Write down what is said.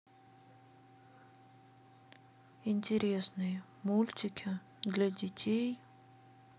интересные мультики для детей